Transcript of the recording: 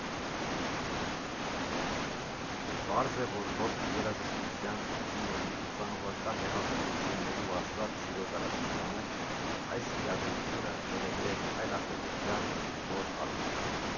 Պարզ է, որ ռոք երաժշտության, հիպիների, ուսանողական հեղափոխությունների ու ազատ սիրո դարաշրջանում, այս իրադրությունը բերելու էր այլախոհության նոր ալիք։